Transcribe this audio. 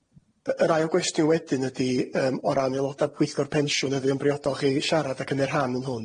Y- yr ail gwestiwn wedyn ydi, yym o ran aeloda' Pwyllgor Pensiwn, ydi yn briodol chi siarad ac yn y rhan yn hwn?